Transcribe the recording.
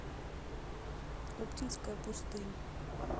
оптинская пустынь